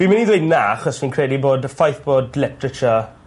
Fi'n myn' i ddweud na achos fi'n credu bod y ffaith bod literature